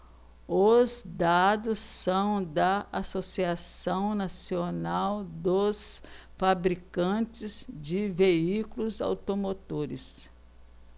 os dados são da anfavea associação nacional dos fabricantes de veículos automotores